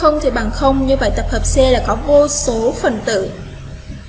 chứ không thì bằng không như vậy tập hợp c là có vô số phần tử